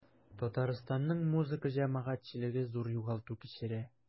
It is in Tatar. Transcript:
Татарстанның музыка җәмәгатьчелеге зур югалту кичерә.